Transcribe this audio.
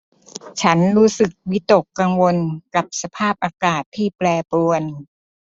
ฉันรู้สึกวิตกกังวลกับสภาพอากาศที่แปรปรวน